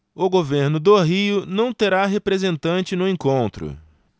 o governo do rio não terá representante no encontro